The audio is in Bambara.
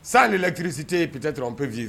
San ni la g kiirisite ye pte dɔrɔn pepfiye